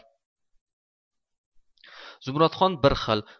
zumradxon bir xil